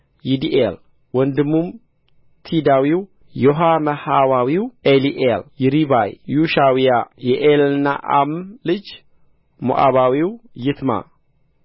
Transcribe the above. ይድኤል ወንድሙም ቲዳዊው ዮሐ መሐዋዊው ኤሊኤል ይሪባይ ዮሻዊያ የኤልናዓም ልጆች ሞዓባዊው ይትማ